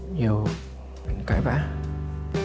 nhiều cãi vã